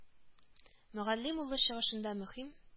Мөгаллим улы чыгышында мөһим